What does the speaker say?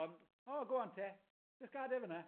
Ond… O, go on te, jyst gad e fanna.